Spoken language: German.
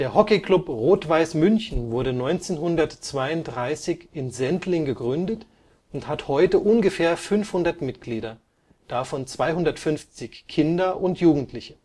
Hockey Club Rot-Weiß München wurde 1932 in Sendling gegründet und hat heute ungefähr 500 Mitglieder, davon 250 Kinder und Jugendliche